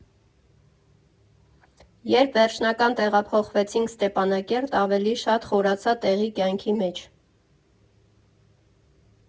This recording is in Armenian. Երբ վերջնական տեղափոխվեցինք Ստեփանակերտ, ավելի շատ խորացա տեղի կյանքի մեջ։